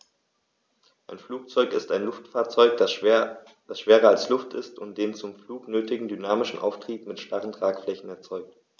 Ein Flugzeug ist ein Luftfahrzeug, das schwerer als Luft ist und den zum Flug nötigen dynamischen Auftrieb mit starren Tragflächen erzeugt.